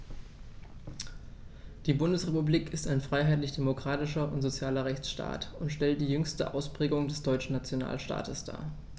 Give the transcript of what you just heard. Die Bundesrepublik ist ein freiheitlich-demokratischer und sozialer Rechtsstaat und stellt die jüngste Ausprägung des deutschen Nationalstaates dar.